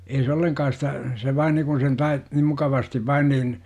ei se ollenkaan sitä se vain niin kuin sen - niin mukavasti vain niin